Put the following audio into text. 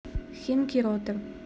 химки ротор